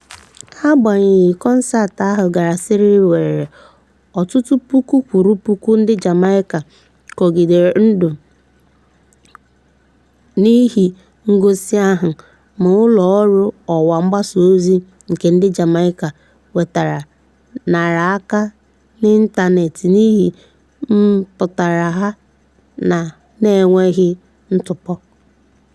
Agbanyeghị, kọnseetị ahụ gara síríríwèrè, ọtụtụ puku kwụrụ puku ndị Jamaica kporiri ndụ n'ihe ngosi ahụ ma ụlọ ọrụ ọwa mgbasa ozi nke ndị Jamaica nwetara nnara aka n'ịntaneetị n'ihi mmepụta ha na-enweghị ntụpọ: